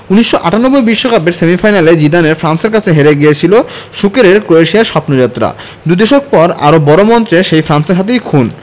১৯৯৮ বিশ্বকাপের সেমিফাইনালে জিদানের ফ্রান্সের কাছে হেরে গীয়েছিল সুকেরের ক্রোয়েশিয়ার স্বপ্নযাত্রা দুই দশক পর আরও বড় মঞ্চে সেই ফ্রান্সের হাতেই খুন